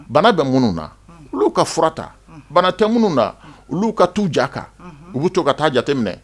Bana bɛ minnu na unhun olu ka fura ta unhun bana tɛ minnu na unhun olu ka t'u ja ka unhun u be to ka taa a jate minɛ